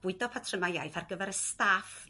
bwydo patryma' iaith ar gyfer y staff